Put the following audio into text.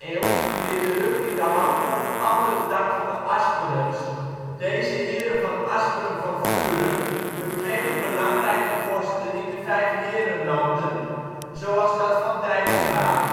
eeuw weer terug in de handen van een andere tak van de Asperens. Deze heren van Asperen van Vuren bekleedden belangrijke posten in de Vijfheerenlanden zoals dat van dijkgraaf